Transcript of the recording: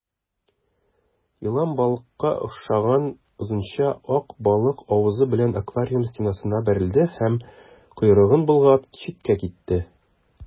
Елан балыкка охшаган озынча ак балык авызы белән аквариум стенасына бәрелде һәм, койрыгын болгап, читкә китте.